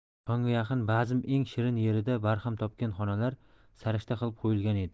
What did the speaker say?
tongga yaqin bazm eng shirin yerida barham topgan xonalar sarishta qilib qo'yilgan edi